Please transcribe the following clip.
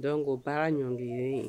Donc o baara ɲɔngrilen